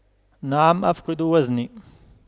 نعم أفقد وزني